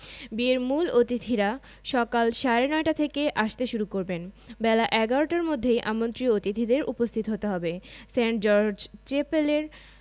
বিয়ের মূল অতিথিরা সকাল সাড়ে নয়টা থেকে আসতে শুরু করবেন বেলা ১১টার মধ্যেই আমন্ত্রিত অতিথিদের উপস্থিত হতে হবে সেন্ট জর্জ চ্যাপেলের